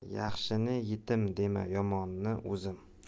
yaxshini yetim dema yomonni o'zim